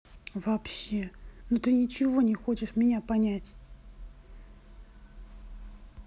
вообще ну ты ничего не хочешь меня понять